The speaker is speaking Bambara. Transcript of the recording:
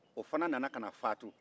o fana nana ka na faatu